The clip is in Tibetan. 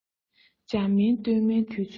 དབྱར མིན སྟོན མིན དུས ཚོད ལ